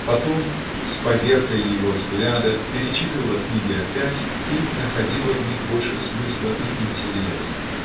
Потом, с поверкой его взгляда, перечитывала книги опять и находила в них больше смысла и интереса.